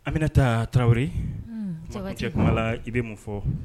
An bɛna taa tarawele cɛ la i bɛ mun fɔ